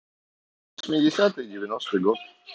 восьмидесятые девяностый год